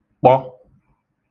kpọ